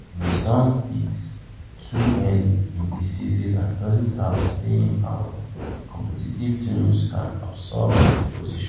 If a song peaks too early in the season and doesn't have staying power, competing tunes can usurp its position.